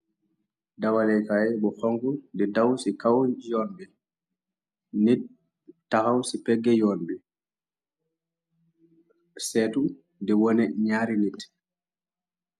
Dawalekaay bu honku di daw ci kaw yoon bi. Ñit tahaw ci pegge yoon bi seetu di wone ñaari nit.